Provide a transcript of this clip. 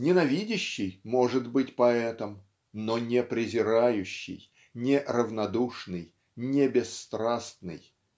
Ненавидящий может быть поэтом но не презирающий не равнодушный не бесстрастный.